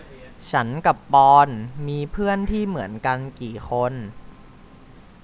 ฉันกับปอนด์มีเพื่อนที่เหมือนกันกี่คน